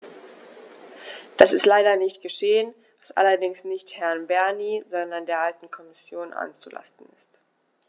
Das ist leider nicht geschehen, was allerdings nicht Herrn Bernie, sondern der alten Kommission anzulasten ist.